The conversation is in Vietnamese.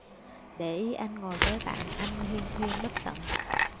để ý anh ngồi với bạn anh huyên thuyên bất tận